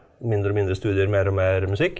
mindre og mindre studier, mer og mer musikk.